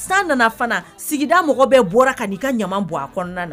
San nana fana sigida mɔgɔ bɛɛ bɔra ka n'i ka ɲama bɔ a kɔnɔna na